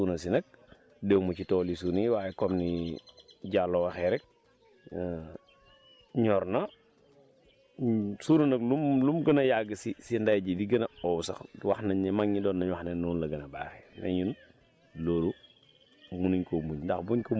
suuna si nag dew ma si toolu suuna yi waaye comme Diallo waxee rek ñor na suuna nag lum lum gën a yàgg si si ndey ji di gën a ow sax wax nañ ne mag ñi doon nañ wax ne noonu la gën a baaxee mais ñun loolu munuñ ko muñ